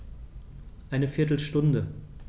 Eine viertel Stunde